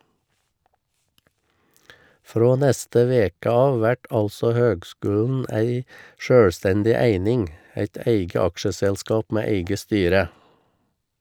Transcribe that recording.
Frå neste veke av vert altså høgskulen ei sjølvstendig eining , eit eige aksjeselskap med eige styre.